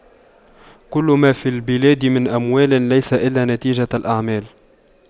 كل ما في البلاد من أموال ليس إلا نتيجة الأعمال